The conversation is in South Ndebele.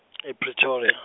e- Pretoria.